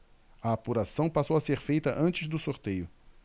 a apuração passou a ser feita antes do sorteio